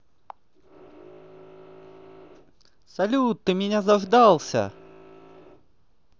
салют ты меня заждался